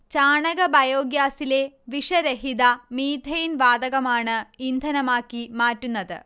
ചാണക ബയോഗ്യാസിലെ വിഷരഹിത മീഥെയ്ൻ വാതകമാണ് ഇന്ധനമാക്കി മാറ്റുന്നത്